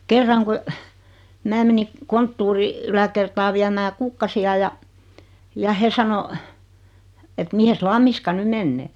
kerran kun minä menin konttorin yläkertaan viemään kukkasia ja ja he sanoi että mihin Lammiska nyt menee